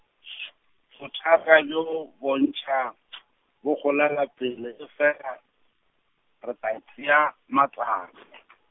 bothata bjo bontšha , bo golela pele efela, re tla tšea matsa-.